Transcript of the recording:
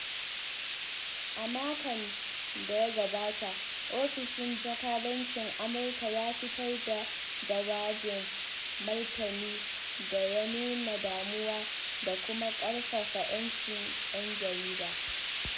A makon da ya gabata, Ofishin Jakadancin Amurka ya fitar da jawabin martani da ya nuna damuwa da kuma ƙarfafa 'yancin 'yan jarida.